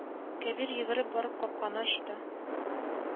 Кәбир йөгереп барып капканы ачты